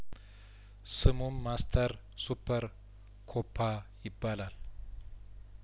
ስሙም ማስተር ሱፐር ኮፓ ይባላል